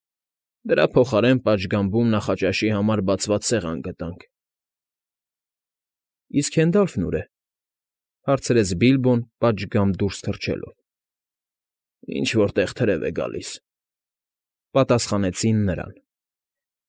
Դրա փոխարեն պատշգամբում նախաճաշի համար բացված սեղան գտանք։ ֊ Իսկ Հենդալֆն ո՞ւր է,֊ հարցրեց Բիլբոն՝ պատշգամբ դուրս թռչելով։ ֊ Ինչ֊որ տեղ թրև է գալիս,֊ պատասխանեցին նրան։